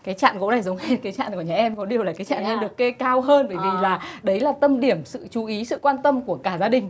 cái chạn gỗ này giống hệt cái chạn của nhà em có điều là chạn nhà em được kê cao hơn bởi vì là đấy là tâm điểm sự chú ý sự quan tâm của cả gia đình